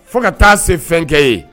Fo ka taa se fɛn kɛ ye